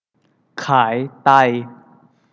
ขายไต